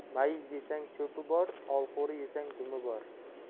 mayiz yesang cho'pi bor olxo'ri yesang dumi bor